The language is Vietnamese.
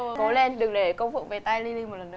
cố lên đừng để công phượng về tay li li một lần nữa